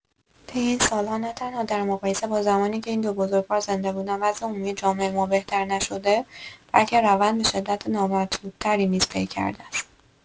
طی این سال‌ها نه‌تنها در مقایسه با زمانی که این دو بزرگوار زنده بودند وضع عمومی جامعه ما بهتر نشده، بلکه روند به‌شدت نامطلوب‌تری نیز طی کرده است.